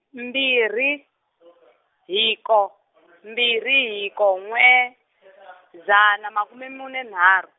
mbirhi, hiko mbirhi hiko n'we, dzana makume mune nharu.